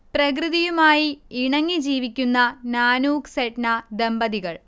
പ്രകൃതിയുമായി ഇണങ്ങി ജീവിക്കുന്ന നാനൂക്ക്, സെഡ്ന ദമ്പതികൾ